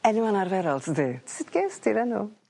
...enw anarferol dydi? Sut ges ti'r enw?